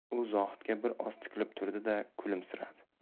u zohidga bir oz tikilib turdi da kulimsiradi